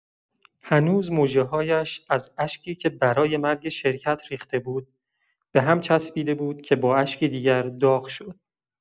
هنوز مژه‌هایش از اشکی که برای مرگ شرکت ریخته بود، به‌هم چسبیده بود که با اشکی دیگر داغ شد.